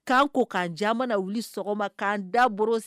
K'an ko k'an caman wuli sɔgɔma k'an dabɔ